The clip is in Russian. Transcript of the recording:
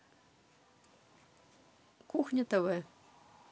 кухня тв